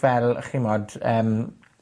fel chi 'mod yym,